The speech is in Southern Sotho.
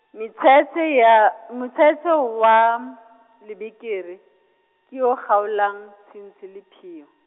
metshetshe- ya, motshetshe wa, lebekere, ke o kgaolang tshintshi, lepheyo.